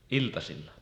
iltasilla